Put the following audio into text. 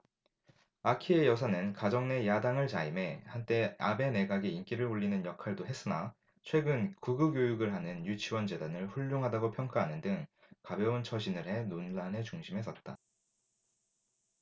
아키에 여사는 가정 내 야당을 자임해 한때 아베 내각의 인기를 올리는 역할도 했으나 최근 극우교육을 하는 유치원재단을 훌륭하다고 평가하는 등 가벼운 처신을 해 논란의 중심에 섰다